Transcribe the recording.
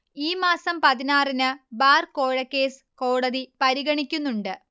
ഈ മാസം പതിനാറിന് ബാർ കോഴക്കേസ് കോടതി പരിഗണിക്കുന്നുണ്ട്